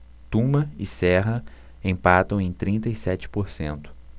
tuma e serra empatam em trinta e sete por cento